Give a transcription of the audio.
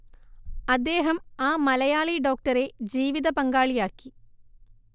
അദ്ദേഹം ആ മലയാളി ഡോക്ടറെ ജീവിതപങ്കാളിയാക്കി